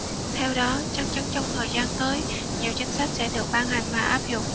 theo đó chắc chắn trong thời gian tới nhiều chính sách sẽ được ban hành và áp dụng